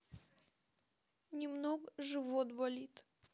немного живот болит